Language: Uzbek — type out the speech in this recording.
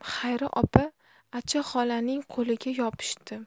xayri opa acha xolaning qo'liga yopishdi